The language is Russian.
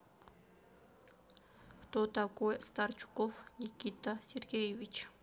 кто такой старчуков никита сергеевич